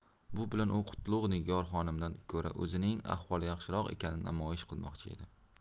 bu bilan u qutlug' nigor xonimdan ko'ra o'zining ahvoli yaxshiroq ekanini namoyish qilmoqchi edi